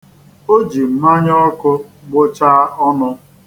O ji mmanya ọkụ gbụchaa ọnụ.